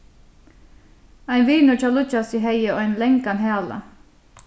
ein vinur hjá líggjasi hevði ein langan hala